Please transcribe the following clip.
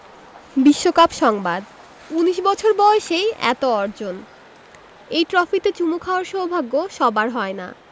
বিশ্বকাপ সংবাদ ১৯ বছর বয়সেই এত অর্জন এই ট্রফিতে চুমু খাওয়ার সৌভাগ্য সবার হয় না